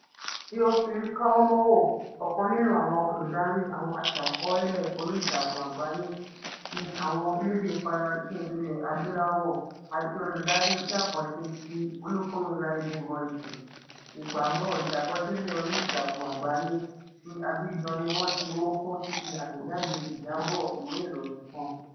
Théophile Kouamouo, ọ̀kan nínú àwọn olùdarí àwọn aṣàkọ́ọ́lẹ̀ orí ìtàkùn àgbáyé ti àwọn elédè Faransé Ilẹ̀ Adúláwò, àti olùdarí iṣẹ́ àkànṣe ti olùfúnni Rising Voices Ìpàgọ́ Ìṣàkọsílẹ̀ orí Ìtàkùn Àgbáyé ti Abidjan ni wọ́n ti mú fún ṣíṣe àtẹ̀jáde ìjábọ̀ ìwé ìròyìn kan.